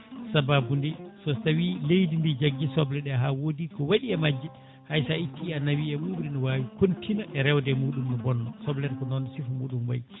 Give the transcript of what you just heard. saababude so tawi leydi ndi jaggi soble ɗe ha wodi ko waɗi e majje hay sa itti a nawi ɓubri ne wawi contina e rewde muɗum ne bonna soblene ko noon siifa muɗum wayyi